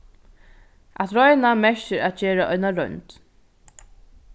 at royna merkir at gera eina roynd